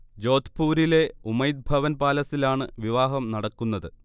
ജോഥ്പൂരിലെ ഉമൈദ് ഭവൻ പാലസിലാണ് വിവാഹം നടക്കുന്നത്